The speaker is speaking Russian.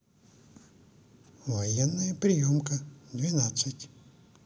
военная приемка ка двенадцать